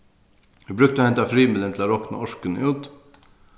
vit brúka hendan frymilin til at rokna orkuna út